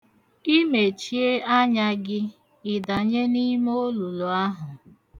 I mechie anya gị, ị danye n'ime olulu ahụ.